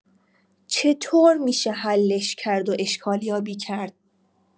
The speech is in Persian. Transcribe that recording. چطور می‌شه حلش کرد و اشکال یابی کرد